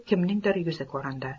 kimningdir yuzi ko'rindi